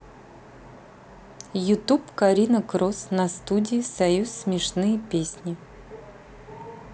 youtube карина кросс на студии союз смешные песни